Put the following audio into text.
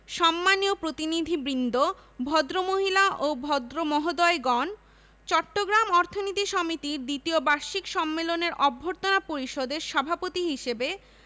সম্মানীয় প্রতিনিধিবৃন্দ ভদ্রমহিলা ও ভদ্রমহোদয়গণ চট্টগ্রাম অর্থনীতি সমিতির দ্বিতীয় বার্ষিক সম্মেলনের অভ্যর্থনা পরিষদের সভাপতি হিসেবে